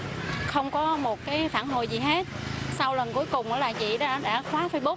không có một cái phản hồi gì hết sau lần cuối cùng là chị đã khóa phây búc